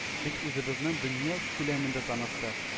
Бит, үзебезне дөнья күләмендә таныттык